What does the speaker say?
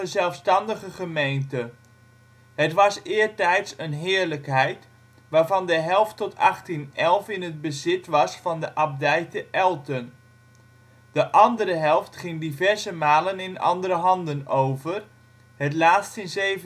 zelfstandige gemeente. Het was eertijds een heerlijkheid, waarvan de helft tot 1811 in het bezit was van de Abdij te Elten. De andere helft ging diverse malen in andere handen over, het laatst in 1709